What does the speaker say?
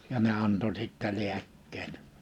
ja ne antoi sitten lääkkeet